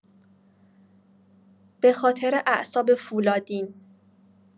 به‌خاطر اعصاب فولادین